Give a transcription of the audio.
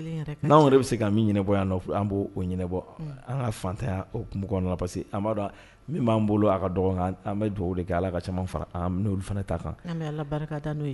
Tan b'an bolo an bɛ dugawu kɛ ka fana' kan